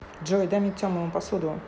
джой дай мне темному посуду